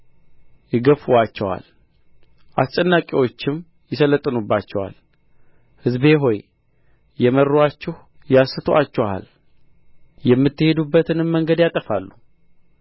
ይገፉአቸዋል አስጨናቂዎችም ይሠለጥኑባቸዋል ሕዝቤ ሆይ የመሩአችሁ ያስቱአችኋል የምትሄዱበትንም መንገድ ያጠፋሉ